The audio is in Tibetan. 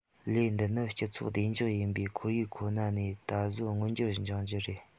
ལས འདི ནི སྤྱི ཚོགས བདེ འཇགས ཡིན པའི ཁོར ཡུག ཁོ ན ནས ད གཟོད མངོན གྱུར འབྱུང རྒྱུ ཞིག རེད